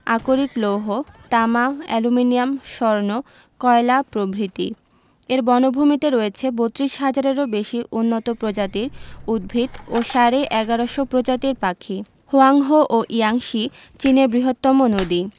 আকরিক লৌহ তামা অ্যালুমিনিয়াম স্বর্ণ কয়লা প্রভৃতি এর বনভূমিতে রয়েছে ৩২ হাজারেরও বেশি উন্নত প্রজাতির উদ্ভিত ও সাড়ে ১১শ প্রজাতির পাখি হোয়াংহো ও ইয়াংসি চীনের বৃহত্তম নদী